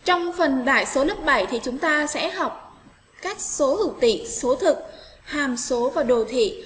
trong phần đại số lớp thì chúng ta sẽ học các số hữu tỉ số thực hàm số và đồ thị